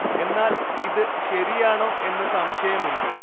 എന്നാല്‍ ഇത് ശരിയാണോ എന്ന് സംശയമുണ്ട്